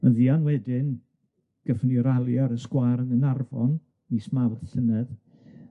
Yn fuan wedyn, gethon ni rali ar y sgwâr yn Gnarfon, mis Mawrth llynedd.